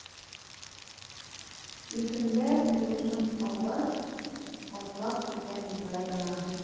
Иркенләп сулышым алгач, атлап китәм җай гына.